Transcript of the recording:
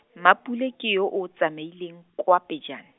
Mmapule ke yo o tsamaelang, kwa pejana.